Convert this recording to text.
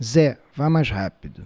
zé vá mais rápido